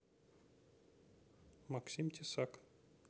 максим тесак